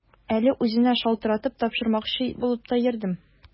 Әле үзенә шалтыратып, тапшырмакчы булып та йөрдем.